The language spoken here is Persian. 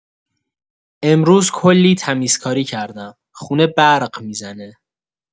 امروز کلی تمیزکاری کردم، خونه برق می‌زنه!